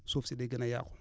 suuf si day gën a yàqu